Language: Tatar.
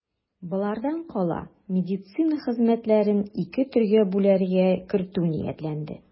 Болардан кала медицина хезмәтләрен ике төргә бүләргә кертү ниятләнде.